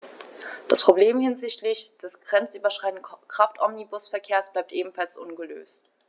Das Problem hinsichtlich des grenzüberschreitenden Kraftomnibusverkehrs bleibt ebenfalls ungelöst.